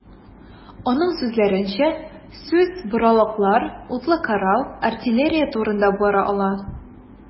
Аның сүзләренчә, сүз боралаклар, утлы корал, артиллерия турында бара ала.